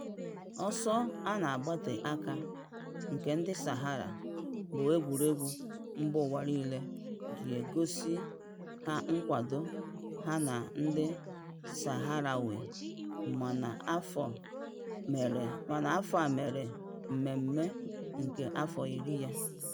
Ọsọ a na-agbate aka nke ndị Sahara bụ egwuregwu mba ụwa niile ji egosi ha Nkwado ha na ndị Saharawi mana afọ a mere mmemme nke afọ iri ya.